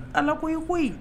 Ala ko ye koyi